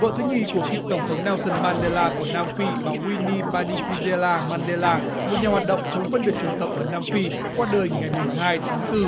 vợ thứ nhì của cựu tổng thống nao sừn man đê la của nam phi bà guyn ni ba đi ki de la man đe la một nhà hoạt động chống phân biệt chủng tộc ở nam phi qua đời ngày mùng hai tháng tư